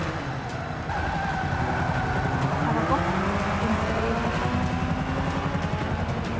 tað var gott at detta inn á gólvið hjá ommu